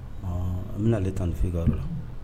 Ɔ n bɛna ale tanfin gayɔrɔ la